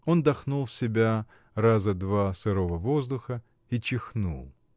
Он вдохнул в себя раза два сырого воздуха и чихнул.